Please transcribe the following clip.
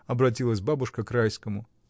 — обратилась бабушка к Райскому.